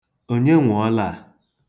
Onye nwe ọla a?